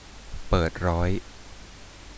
เปิดร้อย